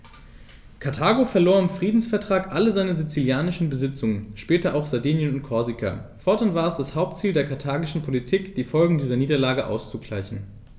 Karthago verlor im Friedensvertrag alle seine sizilischen Besitzungen (später auch Sardinien und Korsika); fortan war es das Hauptziel der karthagischen Politik, die Folgen dieser Niederlage auszugleichen.